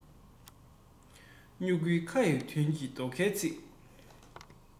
སྨྱུ གུའི ཁ ཡི དོན གྱི རྡོ ཁའི ཚིག